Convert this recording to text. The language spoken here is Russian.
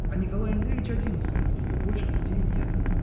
А Николай Андреич один сын у нее — больше детей нет.